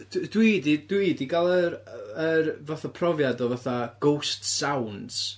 d- dwi 'di dwi 'di gael yr yr fatha profiad o fatha, ghost sounds.